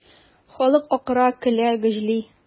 Халык акыра, көлә, гөжли.